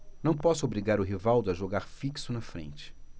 não posso obrigar o rivaldo a jogar fixo na frente